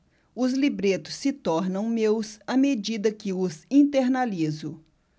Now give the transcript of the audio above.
os libretos se tornam meus à medida que os internalizo